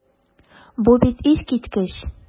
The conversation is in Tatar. Бу бит искиткеч!